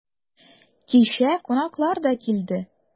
Кичә кунаклар да килде.